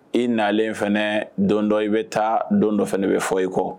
I nalen in fana don dɔ i bɛ taa don dɔ fana de bɛ fɔ i kɔ